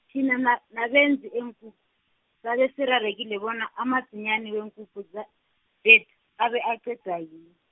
thina na- nabenzi enku-, sabe sirarekile bonyana amadzinyani weenkukhu za- zethu, abe aqedwa yini.